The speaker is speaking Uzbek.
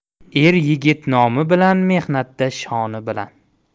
er yigit nomi bilan mehnatda shoni bilan